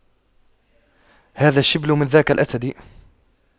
هذا الشبل من ذاك الأسد